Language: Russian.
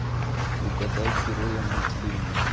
угадай героя мультфильма